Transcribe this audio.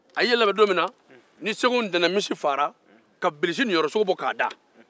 a y'i labɛn don min na ni segu tɛnɛmisi faga la ka bilisi niyɔrɔsogo bɔ k'a da